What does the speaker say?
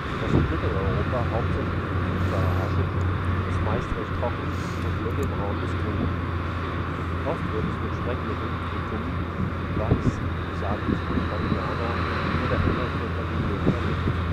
Das in Mitteleuropa hauptsächlich verfügbare Haschisch ist meistens recht trocken und mittelbraun bis grün. Oft wird es mit Streckmitteln wie Gummi, Wachs, Sand, Damiana oder Henna kontaminiert vermengt